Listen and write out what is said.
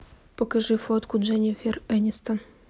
покажи фотку дженифер энистон